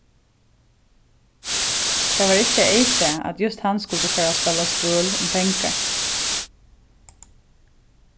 tað var ikki eyðsæð at júst hann skuldi fara at spæla spøl um pengar